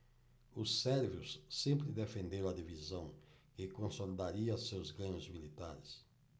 os sérvios sempre defenderam a divisão que consolidaria seus ganhos militares